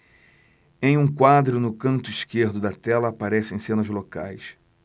em um quadro no canto esquerdo da tela aparecem cenas locais